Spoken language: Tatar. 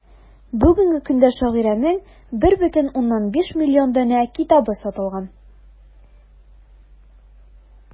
Бүгенге көндә шагыйрәнең 1,5 миллион данә китабы сатылган.